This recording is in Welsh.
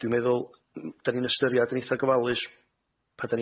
dwi'n meddwl m- 'dan ni'n ystyriad yn eitha' gofalus pan 'dan